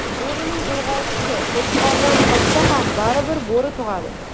bo'rining urg'ochisi qo'chqordan qochsa ham baribir bo'ri tug'adi